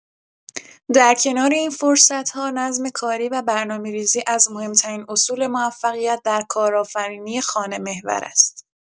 در کنار این فرصت‌ها، نظم کاری و برنامه‌ریزی از مهم‌ترین اصول موفقیت در کارآفرینی خانه‌محور است.